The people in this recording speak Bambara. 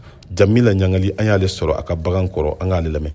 janmila nyangali an y'a de sɔrɔ a ka bagan kɔrɔ an ka a de lamɛn